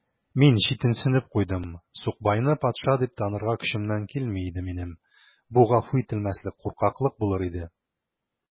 Мин читенсенеп куйдым: сукбайны патша дип танырга көчемнән килми иде минем: бу гафу ителмәслек куркаклык булыр иде.